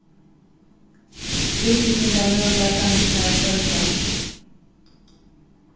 útbúgvingarmøguleikarnir fara at broytast